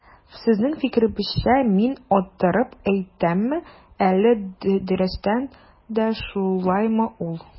Сезнең фикерегезчә мин арттырып әйтәмме, әллә дөрестән дә шулаймы ул?